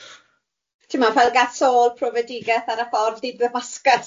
Timod fel gath Saul profedigeth ar y ffordd i Ddymascus?